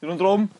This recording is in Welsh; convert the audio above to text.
'Di nw'n drwm?